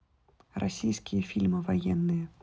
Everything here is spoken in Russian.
российские фильмы военные